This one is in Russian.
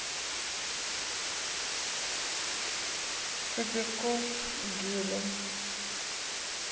кобяков гелен